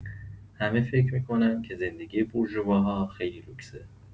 همه فکر می‌کنن که زندگی بورژواها خیلی لوکسه.